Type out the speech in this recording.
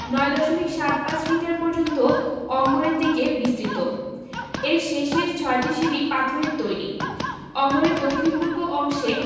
৯ দশমিক সাত পাঁচ মিটার পর্যন্ত অঙ্গনের দিকে বিস্তৃত এর শেষের ছয়টি সিঁড়ি পাথরের তৈরি অঙ্গনের দক্ষিণ পূর্ব অংশে